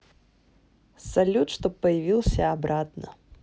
салют чтоб появился обратно